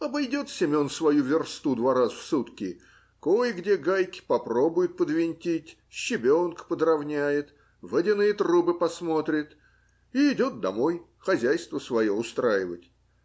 Обойдет Семен свою версту два раза в сутки, кое-где гайки попробует подвинтить, щебенку подровняет, водяные трубы посмотрит и идет домой хозяйство свое устраивать.